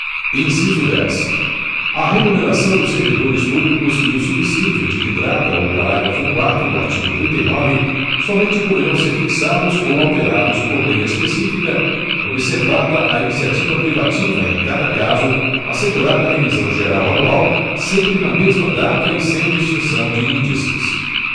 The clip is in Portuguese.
inciso dez a remuneração dos servidores públicos e o subsídio de que trata o parágrafo quarto do artigo trinta e nove somente poderão ser fixados ou alterados por lei específica observada a iniciativa privativa em cada caso assegurada revisão geral anual sempre na mesma data e sem distinção de índices